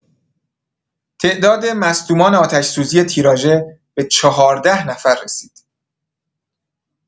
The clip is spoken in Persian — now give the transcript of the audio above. تعداد مصدومان آتش‌سوزی تیراژه به ۱۴ نفر رسید.